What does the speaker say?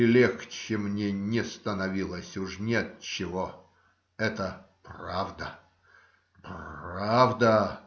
И легче мне не становилось уж ни от чего. Это правда. - Правда!